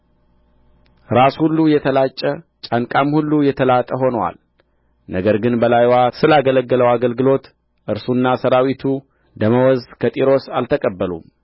ራስ ሁሉ የተላጨ ጫንቃም ሁሉ የተላጠ ሆኖአል ነገር ግን በላይዋ ስላገለገለው አገልግሎት እርሱና ሠራዊቱ ደመወዝ ከጢሮስ አልተቀበሉም